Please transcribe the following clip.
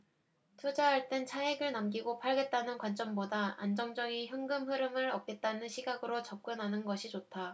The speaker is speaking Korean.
투자할 땐 차익을 남기고 팔겠다는 관점보다 안정적인 현금흐름을 얻겠다는 시각으로 접근하는 것이 좋다